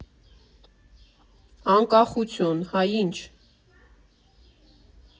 Անկախություն, հա, ի՞նչ։